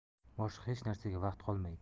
boshqa hech narsaga vaqt qolmaydi